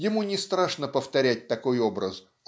Ему не страшно повторять такой образ